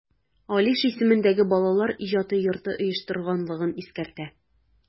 Алиш исемендәге Балалар иҗаты йорты оештырганлыгын искәртә.